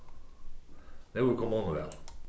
nú er kommunuval